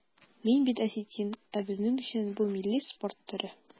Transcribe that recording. Мин бит осетин, ә безнең өчен бу милли спорт төре.